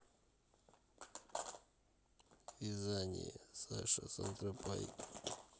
вязание саша сантропайк